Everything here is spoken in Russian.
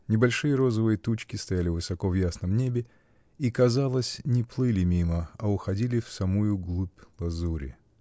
небольшие розовые тучки стояли высоко в ясном небе и, казалось, не плыли мимо, а уходили в самую глубь лазури.